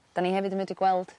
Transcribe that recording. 'dan ni hefyd yn medru gweld